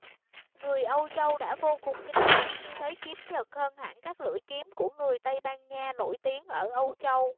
người âu châu đã vô cùng kinh ngạc khi thấy kiếm nhật hơn hẳn các lưỡi kiếm của người tây ban nha nổi tiếng ở âu châu